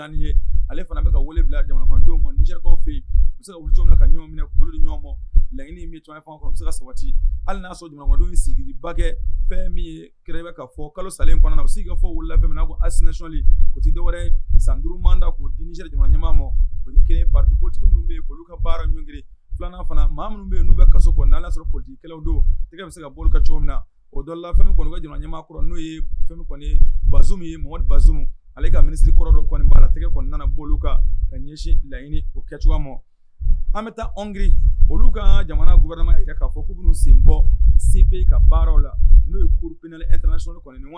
Laɲini sabati hali' sɔrɔ sigi bakɛ fɛn kalo sa se kali san' baara filanan fana mɔgɔ minnu bɛ n'u bɛ kɔnɔ n' y'a sɔrɔ potikɛlaw don bɛ se ka cogo min na o dɔ laba jamanama kɔrɔ n'o ye fɛn baz ye mɔ baz ale ka minisiri kɔrɔdɔ kɔni baara tɛgɛ kɔni nana bolo kan ka ɲɛsin laɲini o kɛ cogoya ma an bɛ taa anwiri olu ka jamana buguma' fɔ sen bɔ sebe ka baaraw la n'o ye kurupina etli kɔni